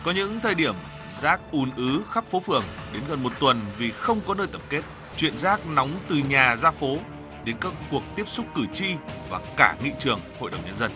có những thời điểm rác ùn ứ khắp phố phường đến gần một tuần vì không có nơi tập kết chuyện rác nóng từ nhà ra phố đến các cuộc tiếp xúc cử tri và cả nghị trường hội đồng nhân dân